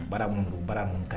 Bara mun bara mun ta